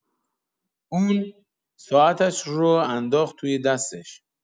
اون، ساعتش رو انداخت توی دستش.